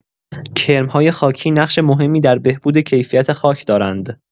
کرم‌های خاکی نقش مهمی در بهبود کیفیت خاک دارند.